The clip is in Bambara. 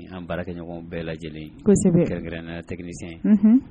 An baara kɛ ɲɔgɔn bɛɛ lajɛlen ko se kaɛrɛ nna tɛsɛn